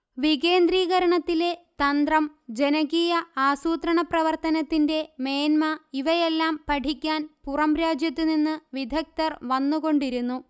വികേന്ദ്രീകരണത്തിലെ തന്ത്രം ജനകീയ ആസൂത്രണപ്രവർത്തനത്തിന്റെ മേന്മ ഇവയെല്ലാം പഠിക്കാൻപുറം രാജ്യത്തുനിന്ന് വിദഗ്ധർ വന്നുകൊണ്ടിരിക്കുന്നു